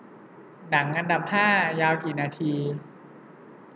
หนังอันดับห้ายาวกี่นาที